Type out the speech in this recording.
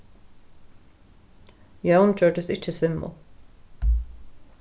jón gjørdist ikki svimbul